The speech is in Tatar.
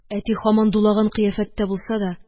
Әти һаман дулаган кыяфәттә булса да